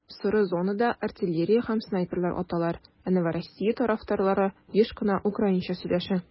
Соры зонада артиллерия һәм снайперлар аталар, ә Новороссия тарафтарлары еш кына украинча сөйләшә.